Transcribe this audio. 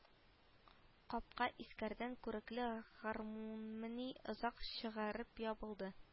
Капка искергән күрекле гармунмыни озак шыгырып ябылды